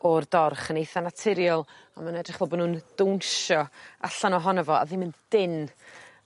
o'r dorch yn eitha naturiol a ma' nw'n edrych fel bo' nw'n downsio allan ohono fo a ddim yn dyn